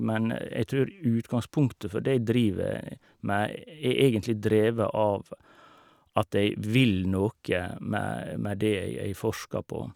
Men jeg tror utgangspunktet for det jeg driver med, er egentlig drevet av at jeg vil noe med med det jeg jeg forsker på.